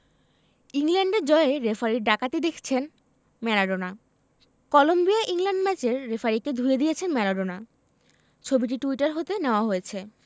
ইংল্যান্ডের জয়ে রেফারির ডাকাতি দেখছেন ম্যারাডোনা কলম্বিয়া ইংল্যান্ড ম্যাচের রেফারিকে ধুয়ে দিয়েছেন ম্যারাডোনা ছবিটি টুইটার হতে নেয়া হয়েছে